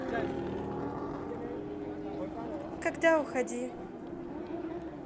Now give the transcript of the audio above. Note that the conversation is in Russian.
когда уходи